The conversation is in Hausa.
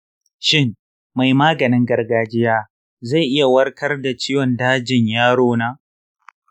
shin mai maganin gargajiya zai iya warkar da ciwon dajin yaro na?